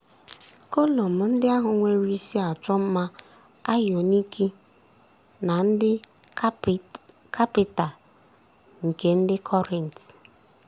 Kolọm ndị ahụ nwere isi achọmma ayọniiki na ndị kapịta nke ndị Corinth.